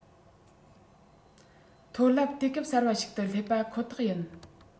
མཐོ རླབས དུས སྐབས གསར པ ཞིག ཏུ སླེབས པ ཁོ ཐག ཡིན